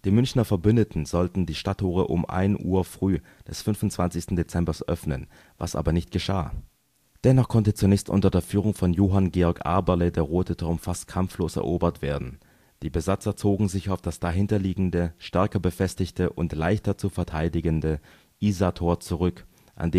Münchener Verbündeten sollten die Stadttore um ein Uhr früh des 25. Dezembers öffnen, was aber nicht geschah. Dennoch konnte zunächst unter der Führung von Johann Georg Aberle der Rote Turm fast kampflos erobert werden, die Besatzer zogen sich auf das dahinterliegende, stärker befestigte und leichter zu verteidigende Isartor zurück, an